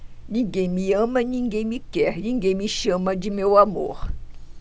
ninguém me ama ninguém me quer ninguém me chama de meu amor